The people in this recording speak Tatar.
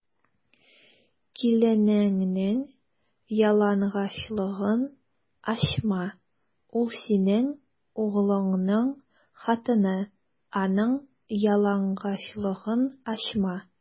Киленеңнең ялангачлыгын ачма: ул - синең углыңның хатыны, аның ялангачлыгын ачма.